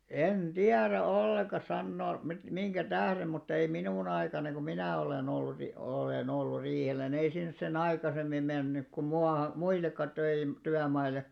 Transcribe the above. en tiedä ollenkaan sanoa - minkä tähden mutta ei minun aikana kun minä olen ollut - olen ollut riihellä niin ei sinne sen aikaisemmin mennyt kuin - muillekaan - työmaille